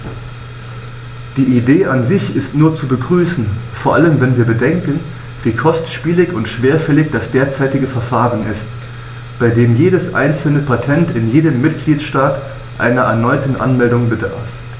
Die Idee an sich ist nur zu begrüßen, vor allem wenn wir bedenken, wie kostspielig und schwerfällig das derzeitige Verfahren ist, bei dem jedes einzelne Patent in jedem Mitgliedstaat einer erneuten Anmeldung bedarf.